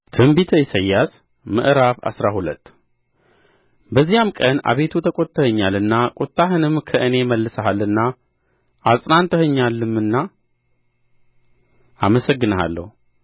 ትንቢተ ኢሳይያስ ምዕራፍ አስራ ሁለት በዚያም ቀን አቤቱ ተቈጥተኸኛልና ቍጣህንም ከእኔ መልሰሃልና አጽናንተኸኛልምና አመሰግንሃለሁ